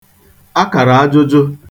akàrà ajụ̀jụ